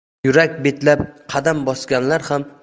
yurak betlab qadam bosganlar ham